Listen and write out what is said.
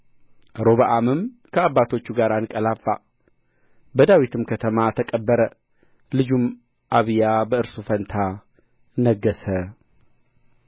ሮብዓምም ከአባቶቹ ጋር አንቀላፋ በዳዊትም ከተማ ተቀበረ ልጁም አብያ በእርሱ ፋንታ ነገሠ